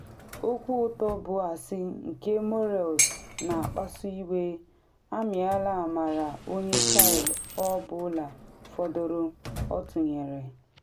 Okwu ụtọ bụ asị nke Morales na akpasu iwe amịala amara onye Chile ọ bụla fọdụrụ, ọ tụnyere.